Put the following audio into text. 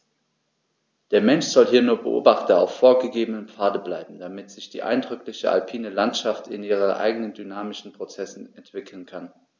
Der Mensch soll hier nur Beobachter auf vorgegebenen Pfaden bleiben, damit sich die eindrückliche alpine Landschaft in ihren eigenen dynamischen Prozessen entwickeln kann.